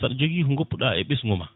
saɗa jogui ko goppuɗa e ɓesguma